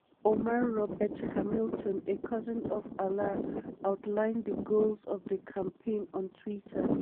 Omar Robert Hamilton, a cousin of Alaa, outlined the goals of the campaign on Twitter: